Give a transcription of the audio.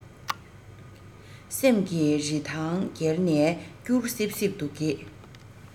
སེམས ཀྱི རི ཐང བརྒལ ནས སྐྱུར སིབ སིབ ཏུ གྱེས